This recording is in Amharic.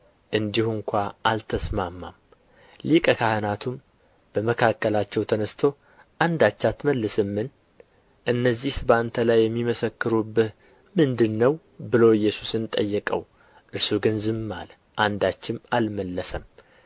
እንዲሁ እንኳ አልተሰማማም ሊቀ ካህናቱም በመካከላቸው ተነሥቶ አንዳች አትመልስምን እነዚህስ በአንተ ላይ የሚመሰክሩብህ ምንድር ነው ብሎ ኢየሱስን ጠየቀው እርሱ ግን ዝም አለ አንዳችም አልመለሰም